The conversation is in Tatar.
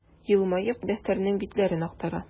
Елмаеп, дәфтәрнең битләрен актара.